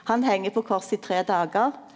han heng på korset i tre dagar.